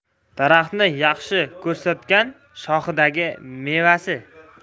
daraxtni yaxshi ko'rsatgan shoxidagi mevasi